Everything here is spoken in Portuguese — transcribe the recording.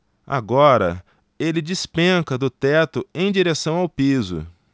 agora ele despenca do teto em direção ao piso